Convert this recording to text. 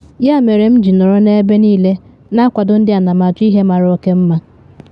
“Ya mere m ji nọrọ n’ebe niile na akwado ndị anamachọihe mara oke mma.”